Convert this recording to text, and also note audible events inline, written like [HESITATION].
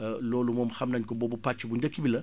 [HESITATION] loolu moom xam nañ ko boobu pàcc bu njëkk bi la